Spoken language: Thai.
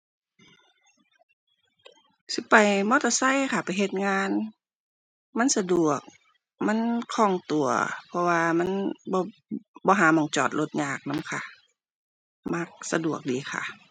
สิไปมอเตอร์ไซค์ค่ะไปเฮ็ดงาน มันสะดวก มันคล่องตัว เพราะว่า มัน บ่หาหม้องจอดรถยากนำค่ะ มัก สะดวกดีค่ะ